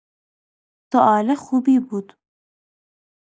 سوال خوبی بود